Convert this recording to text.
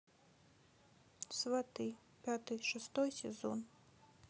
сваты пятый шестой сезон